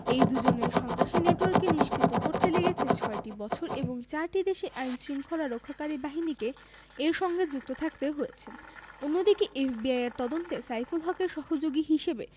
এই দুজনের সন্ত্রাসী নেটওয়ার্ককে নিষ্ক্রিয় করতে লেগেছে ছয়টি বছর এবং চারটি দেশের আইনশৃঙ্খলা রক্ষাকারী বাহিনীকে এর সঙ্গে যুক্ত থাকতে হয়েছে অন্যদিকে এফবিআইয়ের তদন্তে সাইফুল হকের সহযোগী হিসেবে